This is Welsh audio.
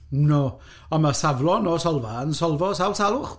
No, ond mae Savlon o Solva yn solfo sawl salwch!